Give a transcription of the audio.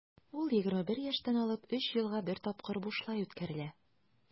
Ул 21 яшьтән алып 3 елга бер тапкыр бушлай үткәрелә.